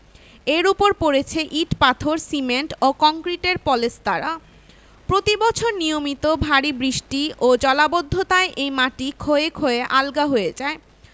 এর ওপর পড়েছে ইট পাথর সিমেন্ট ও কংক্রিটের পলেস্তারা প্রতিবছর নিয়মিত ভারি বৃষ্টি ও জলাবদ্ধতায় এই মাটি ক্ষয়ে ক্ষয়ে আলগা হয়ে যায়